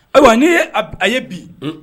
Ayiwa ne a ye bi